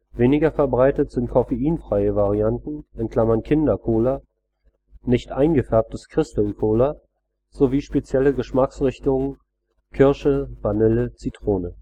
Weniger verbreitet sind coffeinfreie Varianten („ Kindercola “), nicht eingefärbtes „ Crystal Cola “sowie spezielle Geschmacksrichtungen (Kirsche, Vanille, Zitrone